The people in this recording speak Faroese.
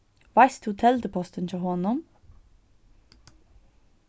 veitst tú teldupostin hjá honum